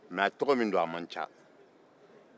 mɛ tɔgɔ min don a man ca